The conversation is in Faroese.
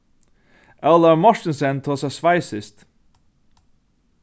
ólavur mortensen tosar sveisiskt